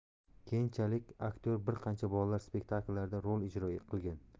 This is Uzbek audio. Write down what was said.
keyinchalik aktyor bir qancha bolalar spektakllarida rol ijro qilgan